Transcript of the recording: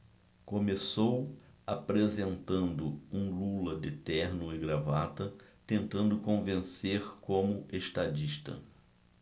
começou apresentando um lula de terno e gravata tentando convencer como estadista